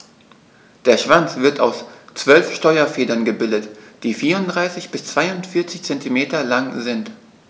Der Schwanz wird aus 12 Steuerfedern gebildet, die 34 bis 42 cm lang sind.